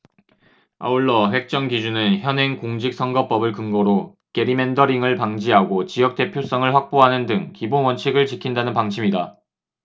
아울러 획정 기준은 현행 공직선거법을 근거로 게리맨더링을 방지하고 지역대표성을 확보하는 등 기본 원칙을 지킨다는 방침이다